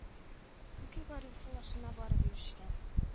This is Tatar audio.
Күке Гарифулласына барып ирешкән.